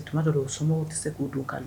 Tuma dɔw la u somɔgɔw tɛ se k'u don ka